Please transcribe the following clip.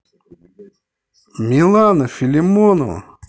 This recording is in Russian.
милана филимонова